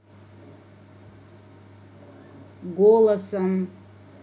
голосом